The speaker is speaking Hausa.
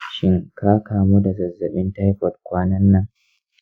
shin ka kamu da zazzabin taifod kwanan nan?